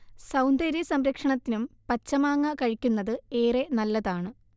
സൗന്ദര്യ സംരക്ഷണത്തിനും പച്ചമാങ്ങ കഴിക്കുന്നത് ഏറെ നല്ലതാണ്